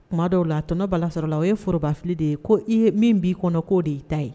Kuma dɔw la tɔnɔ bala sɔrɔ la o ye forobafili de ye ko ye min b'i kɔnɔ k'o de y'i ta ye